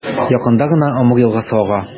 Якында гына Амур елгасы ага.